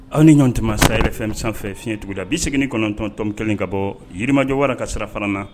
Aw ni ɲɔgɔn tɛ masa yɛrɛ fɛn fiɲɛɲɛ tugunda bi segin kɔnɔntɔntɔn kelen ka bɔ yirimajɔwa ka sira fana na